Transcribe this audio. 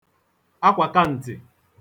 akwàkaǹtị̀